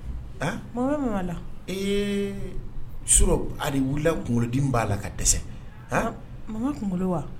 Mun bɛ Mama la? EE surɔ a de wulila kunkolo dimi b'a la ka dɛsɛ, han. Mama kunkolo wa ?